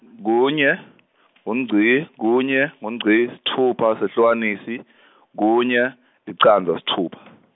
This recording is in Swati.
kunye , ngungci, kunye ngungci, sitfupha sehlukanisi kunye, licandza sitfupha.